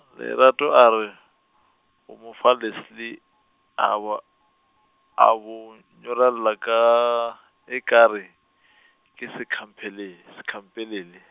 Lerato a re, o mo fa Leslie, a wa, a bo nyorelela ka, e ka re, ke sekhampele-, sekhampelele.